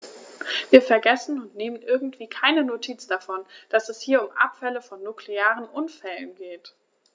Wir vergessen, und nehmen irgendwie keine Notiz davon, dass es hier um Abfälle von nuklearen Unfällen geht.